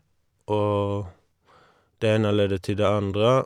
Og det ene ledet til det andre.